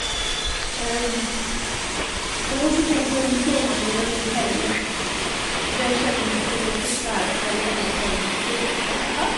En også ting som slo meg med orientering, at det er sjelden at jeg må forklare hva vi holder på med til folk her.